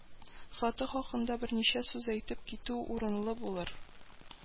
Фаты хакында берничә сүз әйтеп китү урынлы булыр